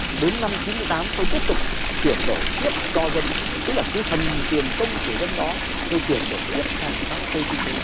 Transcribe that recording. đến năm chín mươi tám tôi tiếp tục chuyển đổi tiếp cho dân tức là cái phần tiền công của dân đó tôi chuyển đổi tiếp sang các cái bên kinh tế